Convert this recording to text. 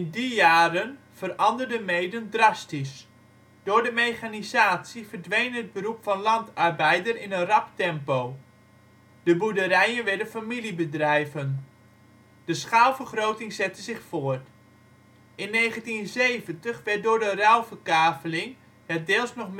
die jaren veranderde Meeden drastisch. Door de mechanisatie verdween het beroep van landarbeider in een rap tempo. De boerderijen werden familiebedrijven. De schaalvergroting zette zich voort In 1970 werden door de ruilverkaveling de deels nog middeleeuwse